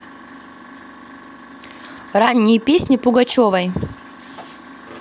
ранние песни пугачевой